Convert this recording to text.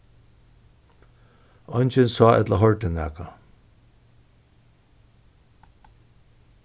eingin sá ella hoyrdi nakað